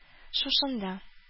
Шушында